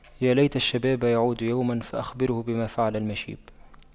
فيا ليت الشباب يعود يوما فأخبره بما فعل المشيب